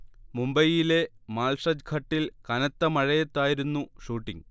മുംബൈയിലെ മാൽഷജ് ഘട്ടിൽ കനത്ത മഴത്തായിരുന്നു ഷൂട്ടിങ്ങ്